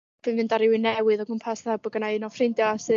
dwi'n mynd a rywun newydd o gwmpas fatha' bo' ginai un o ffrindia' sy'n